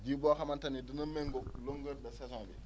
ji boo xamante ne dina méngoog longueur de saison bi